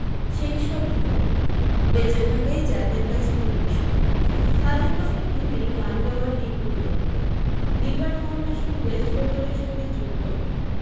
সেই সব মুখ বেঁচে থাকাই যাঁদের কাছে দুর্বিষহ তাঁদের কথা ভেবেই গান গাওয়ার এই পরিকল্পনা লিভার ফাউন্ডেশন ওয়েস্ট বেঙ্গলের সঙ্গে যুক্ত